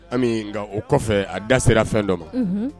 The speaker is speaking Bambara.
Nka o kɔfɛ a da sera fɛn dɔ ma